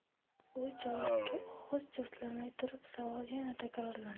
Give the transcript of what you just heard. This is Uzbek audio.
u javobga og'iz juftlamay turib savol yana takrorlandi